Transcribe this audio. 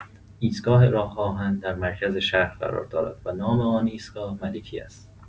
ایستگاه راه‌آهن در مرکز شهر قرار دارد و نام آن ایستگاه ملکی است.